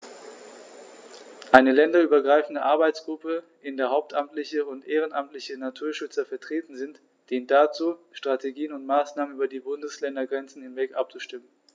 Eine länderübergreifende Arbeitsgruppe, in der hauptamtliche und ehrenamtliche Naturschützer vertreten sind, dient dazu, Strategien und Maßnahmen über die Bundesländergrenzen hinweg abzustimmen.